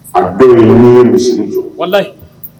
A bɛɛ numu ye misi jɔda